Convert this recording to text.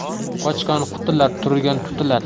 qochgan qutular turgan tutilar